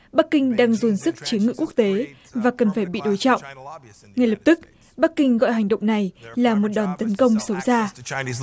bắc kinh đang dồn sức chế ngự quốc tế và cần phải bị đối trọng ngay lập tức bắc kinh gọi hành động này là một đòn tấn công xấu xa